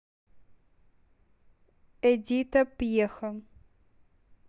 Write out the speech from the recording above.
эдита пьеха